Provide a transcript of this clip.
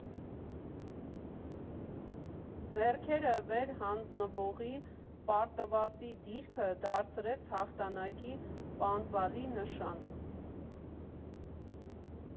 Ձեռքերը վեր հանձնվողի, պարտվածի դիրքը դարձրեց հաղթանակի պանծալի նշան։